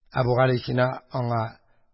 Әбүгалисина аңа